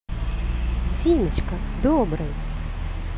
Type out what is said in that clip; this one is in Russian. зиночка доброй